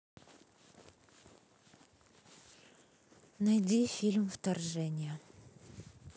найди фильм вторжение